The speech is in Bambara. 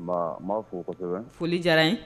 Bon n b'a fɔ kosɛbɛ foli diyara in